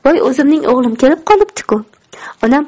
voy o'zimning o'g'lim kelib qolibdi ku